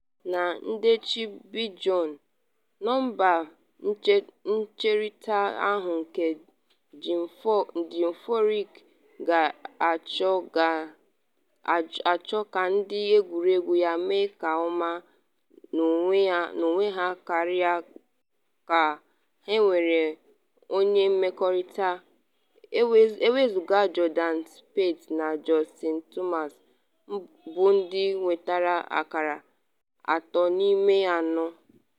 Na ndịiche Bjorn, nọmba ncherịta ihu nke Jim Furyk ga-achọ ka ndị egwuregwu ya mee nke ọma n’onwe ha karịa ka ha nwere onye mmekọrịta, ewezuga Jordan Spieth na Justin Thomas bụ ndị nwetere akara atọ n’ime anọ.